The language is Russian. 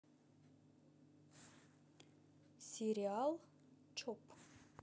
сериал чоп